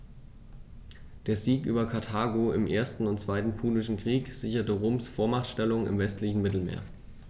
Der Sieg über Karthago im 1. und 2. Punischen Krieg sicherte Roms Vormachtstellung im westlichen Mittelmeer.